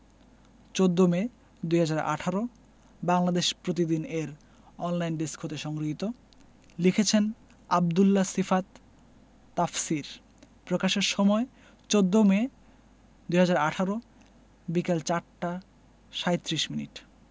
১৪মে ২০১৮ বাংলাদেশ প্রতিদিন এর online desk হতে সংগৃহীত লিখেছেনঃ আব্দুল্লাহ সিফাত তাফসীর প্রকাশের সময় ১৪মে ২০১৮ বিকেল ৪ টা ৩৭ মিনিট